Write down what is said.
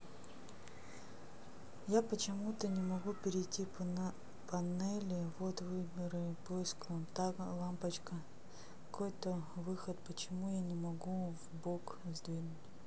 я почему то не могу перейти по панели вот выбрать поисковик там лампочка какой то выход почему я не могу вбок сдвинуть